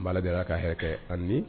N bala de ka hɛrɛ ani